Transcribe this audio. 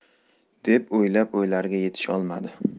deb o'ylab o'ylariga yetisholmadi